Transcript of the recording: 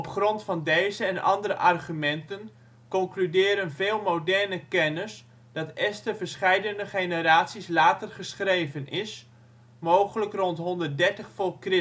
grond van deze en andere argumenten concluderen veel moderne kenners dat Esther verscheidene generaties later geschreven is, mogelijk rond 130 v.Chr.